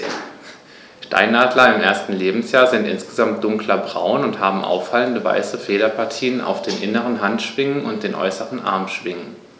Steinadler im ersten Lebensjahr sind insgesamt dunkler braun und haben auffallende, weiße Federpartien auf den inneren Handschwingen und den äußeren Armschwingen.